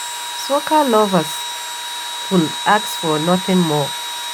Soca lovers could ask for nothing more.